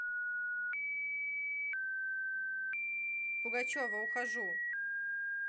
пугачева ухожу